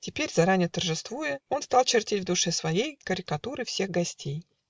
Теперь, заране торжествуя, Он стал чертить в душе своей Карикатуры всех гостей.